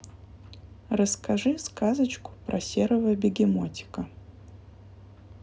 расскажи сказочку про серого бегемотика